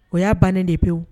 O ya bannen de pewu.